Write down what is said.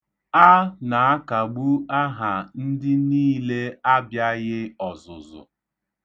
A na-akagbu aha ndị niile abịaghị ọzụzụ.